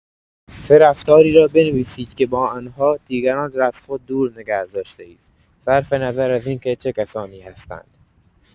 سه رفتاری را بنویسید که با آن‌ها دیگران را از خود دور نگه داشته‌اید، صرف‌نظر از اینکه چه کسانی هستند.